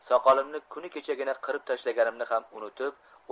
soqolimni kuni kechagina qirib tashlaganimni ham unutib